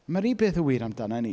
Mae'r un peth yn wir amdana ni.